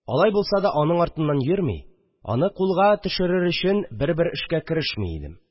Алай булса да, аның артыннан йөрми, аны кулга төшерер өчен бербер эшкә керешми идем